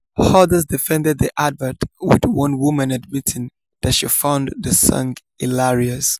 Others defended the advert, with one woman admitting that she found the song "hilarious."